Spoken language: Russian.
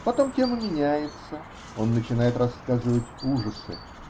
Потом тема меняется -- он начинает рассказывать ужасы.